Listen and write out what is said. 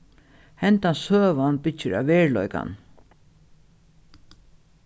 henda søgan byggir á veruleikan